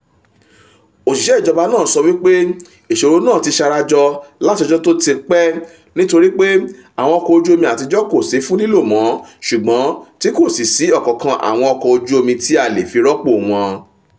Òṣìṣẹ́ ìjọba náà sọ wípé ìṣòro náà ti ṣarajọ láti ọ́jọ́ tó ti pẹ́, nítorípé àwọn ọkọ̀ ojú omi àtijọ́ kò sí fún lílò mọ́ ṣùgbọ́n tí kò sì sí ọ̀kankan àwọn ọkọ̀ ojú omi tí a le fi rọ́pò wọn.